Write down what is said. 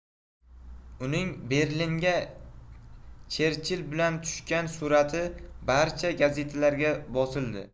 uning berlinda cherchill bilan tushgan surati barcha gazitlarda bosildi